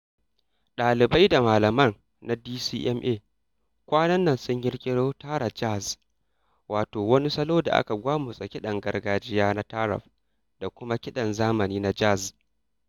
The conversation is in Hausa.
ɗalibai da malaman na DCMA kwanan nan sun ƙirƙiro "TaraJazz", wato wani salo da aka gwamutsa kiɗan gargajiya na taarab da kuma kiɗan zamani na jazz.